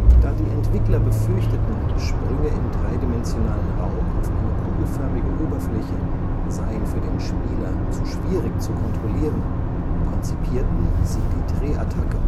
Da die Entwickler befürchteten, Sprünge im dreidimensionalen Raum auf eine kugelförmige Oberfläche seien für den Spieler zu schwierig zu kontrollieren, konzipierten sie die Drehattacke